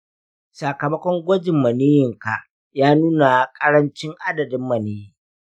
sakamakon gwajin maniyyinka ya nuna ƙarancin adadin maniyyi.